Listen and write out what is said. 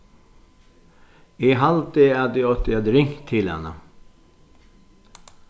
eg haldi at eg átti at ringt til hana